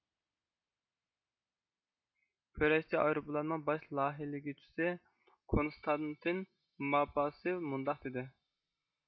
كۆرەشچى ئايرۇپىلاننىڭ باش لايىھىلىگۈچىسى كونستانتىن ماباسېۋ مۇنداق دېدى